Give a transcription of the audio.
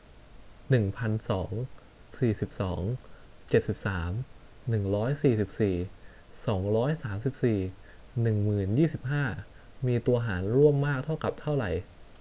หนึ่งพันสองสี่สิบสองเจ็ดสิบสามหนึ่งร้อยสี่สิบสี่สองร้อยสามสิบสี่หนึ่งหมื่นยี่สิบห้ามีตัวหารร่วมมากเท่ากับเท่าไหร่